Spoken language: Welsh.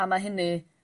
A ma' hynny